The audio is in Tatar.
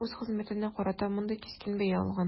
Үз хезмәтенә карата мондый кискен бәя алган.